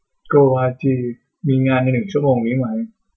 โกวาจีมีงานในหนึ่งชั่วโมงนี้ไหม